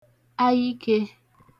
ayikē